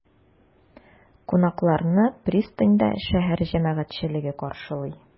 Кунакларны пристаньда шәһәр җәмәгатьчелеге каршылый.